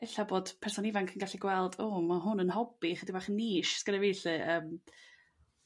E'lla' bod person ifanc yn gallu gweld o ma' hwn yn hobi i 'chydi' bach yn niche s' genna' fi 'lly yrm